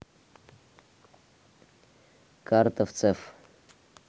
картавцев